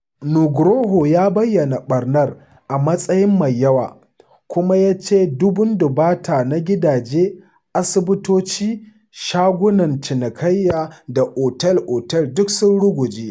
Nugroho ya bayyana ɓarnar a matsayin “mai yawa” kuma ya ce dubun-dubata na gidaje, asibitoci, shagunan cinikayya da otel-otel duk sun ruguje.